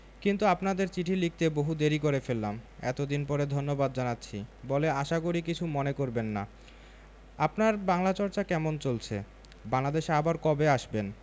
কিন্তু আপনাদের চিঠি লিখতে বহু দেরী করে ফেললাম এতদিন পরে ধন্যবাদ জানাচ্ছি বলে আশা করি কিছু মনে করবেন না আপনার বাংলা চর্চা কেমন চলছে বাংলাদেশে আবার কবে আসবেন